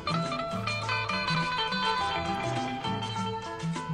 Maa'